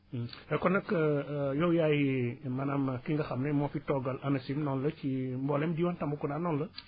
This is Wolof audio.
kon nag yow yaay maanaam ki nga xam ne moo fi toogal ANACIM noonu la ci mbooleem diwaan Tambacounda noonu la